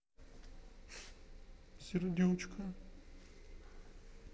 сердючка